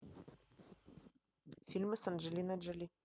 фильмы с анджелиной джоли